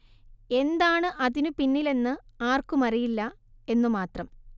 എന്താണ് അതിനു പിന്നിൽ എന്ന് ആർക്കും അറിയില്ല എന്നു മാത്രം